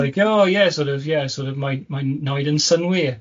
Like, ah ie sor' of ie sor' of mae'n mae'n wneud yn synnwyr.